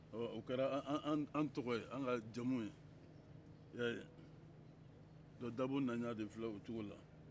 ɔ o kɛra an tɔgɔ ye an ka jamu ye i y'a ye dɔnc dabo nana o cogo la